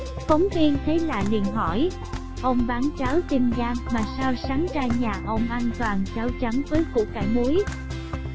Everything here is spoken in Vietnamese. phóng viên ông bán cháo tim gan mà sao sáng ra nhà ông ăn toàn cháo trắng với củ cải muối